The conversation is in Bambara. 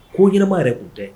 Ko ɲɛnɛma yɛrɛ kun dɛ!